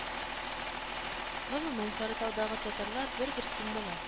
Гомумән, Сарытаудагы татарлар бер-берсен белә